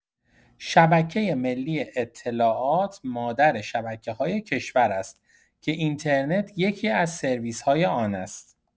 شبکه‌ملی اطلاعات مادر شبکه‌های کشور است که اینترنت یکی‌از سرویس‌های آن است.